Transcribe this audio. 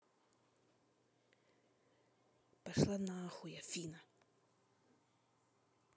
пошла нахуй афина